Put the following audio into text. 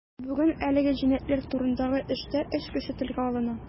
Бүген әлеге җинаятьләр турындагы эштә өч кеше телгә алына.